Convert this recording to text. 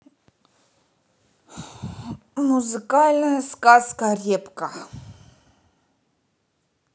музыкальная сказка репка